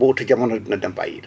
boo óytuwul jamono dina dem bàyyi la